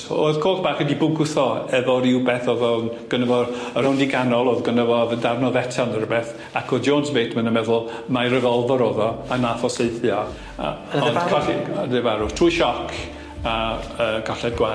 O'dd coch bach wedi bwgwth o efo rywbeth o'dd o'n gynno fo'r o rownd 'o ganol o'dd gynno fo o'dd yn darn o fetal ne' rwbeth ac o'dd Jones Bateman yn meddwl mai revolver o'dd o a nath o saethu o yy ond farw trwy sioc a yy colled gwaed.